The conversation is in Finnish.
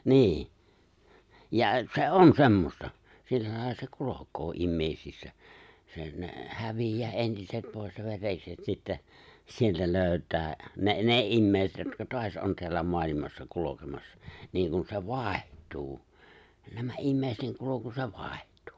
niin ja se on semmoista sillä lailla se kulkee ihmisissä se ne häviää entiset pois ja verekset sitten sieltä löytää ne ne ihmiset jotka taas on täällä maailmassa kulkemassa niin kuin se vaihtuu nämä ihmisten kulku se vaihtuu